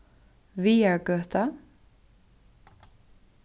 viðargøta